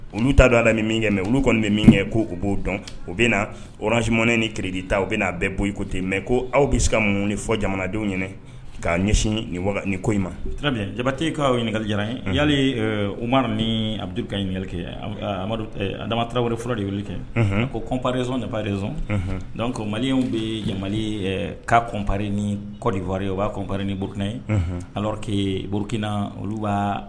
Olu ta don la ni kɛ mɛ olu kɔni kɛ ko b'o dɔn u bɛ na wransi mɔnɛ ni kidi ta u bɛna bɛɛ boyiko ten mɛ ko aw bɛ se ka mun de fɔ jamanadenw ɲini ka ɲɛsin ko in mabi jabatekaw ɲininkakali diyara ye n'ale u mana ni abidu ka ɲininkali kɛ amadu damata wɛrɛ f de wele kɛ ko kɔnpɛrezson dabaarezson donc mali bɛ ya' kɔnmpɛre ni kɔɔriwariye u b'a kɔnpri ni burukina yeke bkina olu b'a